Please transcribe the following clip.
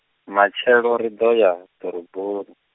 matshelo ri ḓo ya, ḓoroboni.